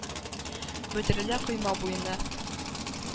Бөтерелә койма буенда.